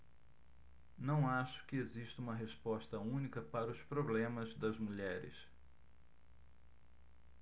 não acho que exista uma resposta única para os problemas das mulheres